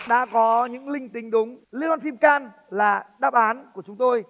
đã có những linh tính đúng liên hoan phim can là đáp án của chúng tôi